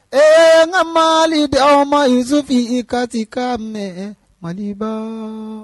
Ɛɛ ka mali di aw ma isufin i ka se ka mɛn mali ba